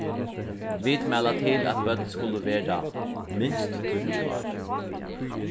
vit mæla til at børn skulu vera minst tíggju ár